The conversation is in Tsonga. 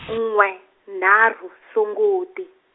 n'we nharhu Sunguti.